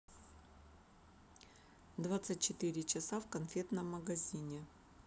двадцать четыре часа в конфетном магазине